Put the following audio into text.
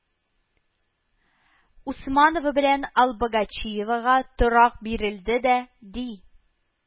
Усманова белән Албогачиевага торак бирелде дә, ди